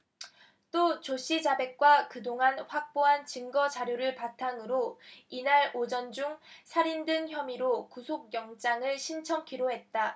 또 조씨 자백과 그동안 확보한 증거 자료를 바탕으로 이날 오전 중 살인 등 혐의로 구속영장을 신청키로 했다